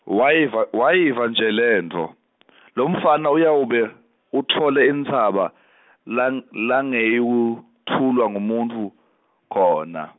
Wayiva, Wayiva nje lentfo , lomfana uyawube utfole intsaba , lang- langeyutfulwa ngumuntfu, khona.